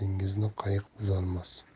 dengizni qayiq buzolmas